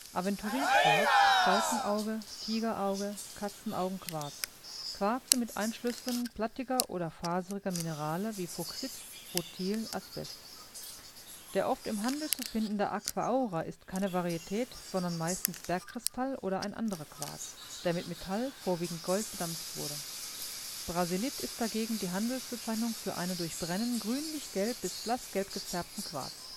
Aventurin-Quarz, Falkenauge, Tigerauge, Katzenaugen-Quarz: Quarze mit Einschlüssen plattiger oder faseriger Minerale wie Fuchsit, Rutil, Asbest Der oft im Handel zu findende Aqua Aura ist keine Varietät, sondern meistens Bergkristall (oder ein anderer Quarz), der mit Metall (vorwiegend Gold) bedampft wurde. Brasilit ist dagegen die Handelsbezeichnung für eine durch Brennen grünlich-gelb bis blassgelb gefärbten Quarz